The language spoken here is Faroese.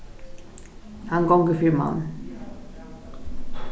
hann gongur fyri mann